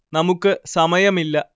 നമുക്ക് സമയമില്ല